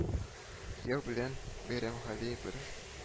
Кияү белән Бәйрәмгали бер